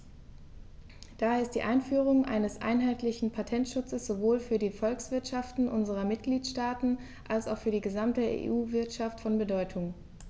Daher ist die Einführung eines einheitlichen Patentschutzes sowohl für die Volkswirtschaften unserer Mitgliedstaaten als auch für die gesamte EU-Wirtschaft von Bedeutung.